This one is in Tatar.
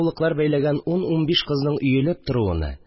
Бәйләгән ун-унбиш кызның өелеп торуыны